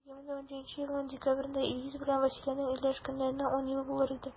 2017 елның декабрендә илгиз белән вәсиләнең өйләнешкәннәренә 10 ел булыр иде.